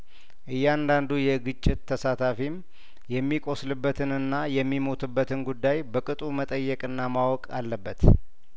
እያንዳንዱ የግጭት ተሳታፊም የሚቆስልበትንና የሚሞትበትን ጉዳይ በቅጡ መጠየቅና ማወቅ አለበት